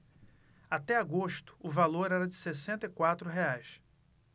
até agosto o valor era de sessenta e quatro reais